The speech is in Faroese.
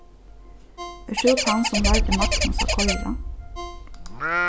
ert tú tann sum lærdi magnus at koyra